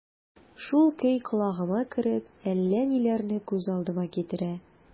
Шул көй колагыма кереп, әллә ниләрне күз алдыма китерә...